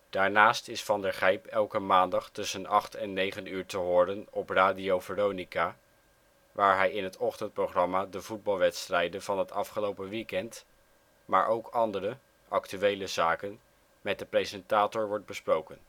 Daarnaast is Van der Gijp elke maandag tussen 8 en 9 uur te horen op Radio Veronica waar hij in het ochtendprogramma de voetbalwedstrijden van het afgelopen weekend maar ook andere (actuele) zaken met de presentator wordt besproken